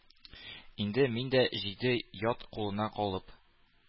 Инде мин дә, җиде ят кулына калып